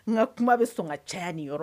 Nka kuma bɛ sɔn ka caaya nin yɔrɔ la.